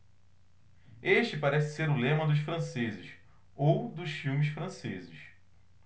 este parece ser o lema dos franceses ou dos filmes franceses